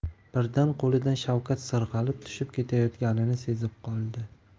birdan qo'lidan shavkat sirg'alib tushib ketayotganini sezib qoldi